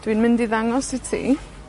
Dwi'n mynd i ddangos i ti,